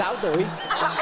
sáu tuổi